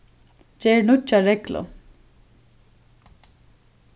ger nýggja reglu